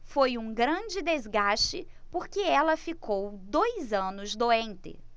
foi um grande desgaste porque ela ficou dois anos doente